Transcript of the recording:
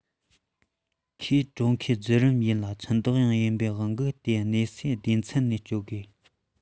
ཁོའི དྲོད མཁོ སྤྲོད རན ཡིན ལ ནི ཁྱིམ བདག ཡིན པའི དབང གིས དེ གནས སའི སྡེ ཚན ནས སྤྲོད དགོས